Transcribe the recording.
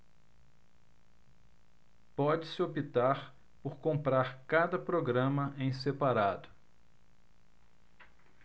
pode-se optar por comprar cada programa em separado